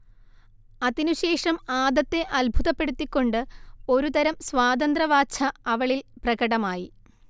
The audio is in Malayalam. അതിനു ശേഷം ആദത്തെ അത്ഭുതപ്പെടുത്തിക്കൊണ്ട് ഒരു തരം സ്വാതന്ത്രവാച്ഛ അവളിൽ പ്രകടമായി